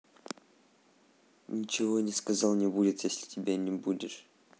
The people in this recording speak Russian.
ничего не сказал не будет если тебя не будешь